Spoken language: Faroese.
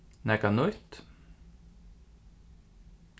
nakað nýtt